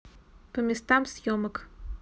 по местам съемок